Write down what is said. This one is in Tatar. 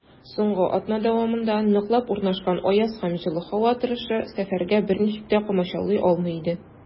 Соңгы атна дәвамында ныклап урнашкан аяз һәм җылы һава торышы сәфәргә берничек тә комачаулый алмый иде.